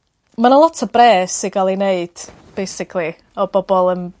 ma' 'na lot o bres i ga'l ei neud basically o bobol yn